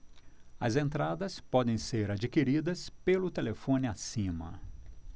as entradas podem ser adquiridas pelo telefone acima